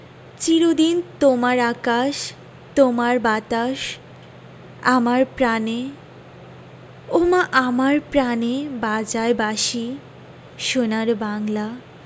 চির দিন তোমার আকাশ তোমার বাতাস আমার প্রাণে ওমা আমার প্রানে বাজায় বাঁশি সোনার বাংলা